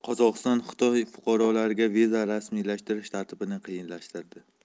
qozog'iston xitoy fuqarolariga viza rasmiylashtirish tartibini qiyinlashtirdi